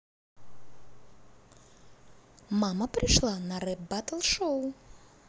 мама пришла на рэп баттл шоу